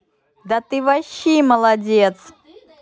да ты ваши молодец